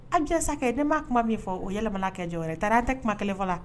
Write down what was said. An cɛ sa kɛ, ne ma na kuma min fɔ, o bɛ yɛlɛma ka kɛ dɔ wɛrɛ ye, tari aw tɛ ka kuma kelen fɔlɔ de?